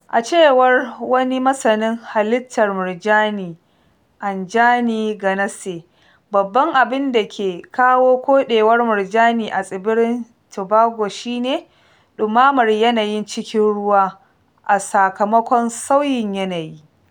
A cewar wani masanin halittar murjani Anjani Ganase, babban abinda ke kawo koɗewar murjani a tsibirin Tobago shi ne ɗumamar yanayin cikin ruwa - a sakamakon sauyin yanayi.